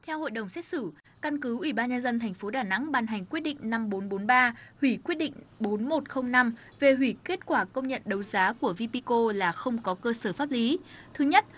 theo hội đồng xét xử căn cứ ủy ban nhân dân thành phố đà nẵng ban hành quyết định năm bốn bốn ba hủy quyết định bốn một không năm về hủy kết quả công nhận đấu giá của vi bi cô là không có cơ sở pháp lý thứ nhất